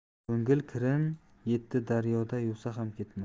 ko'ngil kirin yetti daryoda yuvsa ham ketmas